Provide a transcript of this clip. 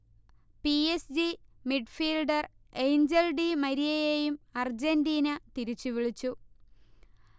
P. S. G. Midfielder Angel Di. മരിയയെയും Argentina തിരിച്ചുവിളിച്ചു